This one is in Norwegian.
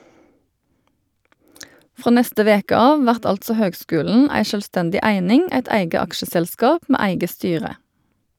Frå neste veke av vert altså høgskulen ei sjølvstendig eining, eit eige aksjeselskap med eige styre.